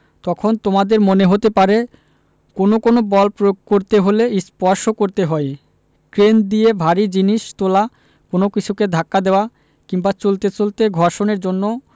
তখন তোমাদের মনে হতে পারে কোনো কোনো বল প্রয়োগ করতে হলে স্পর্শ করতে হয় ক্রেন দিয়ে ভারী জিনিস তোলা কোনো কিছুকে ধাক্কা দেওয়া কিংবা চলতে চলতে ঘর্ষণের জন্য